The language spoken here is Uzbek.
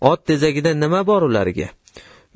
ot tezagida nima bor ularga